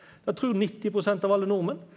det trur 90% av alle nordmenn.